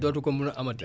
dootu ko mun a amati